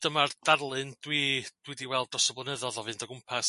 dyma'r darlun dwi dwi 'di weld dros y blynyddoedd o fynd o gwmpas